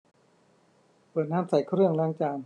เปิดน้ำใส่เครื่องล้างจาน